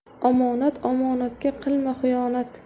omonat omonatga qilma xiyonat